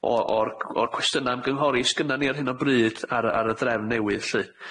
o o'r o'r cwestynna' ymgynghori sgynnan ni ar hyn o bryd ar y ar y drefn newydd lly.